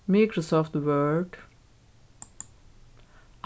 microsoft word